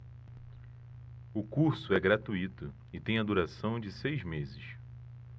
o curso é gratuito e tem a duração de seis meses